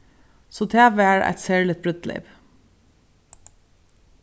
so tað var eitt serligt brúdleyp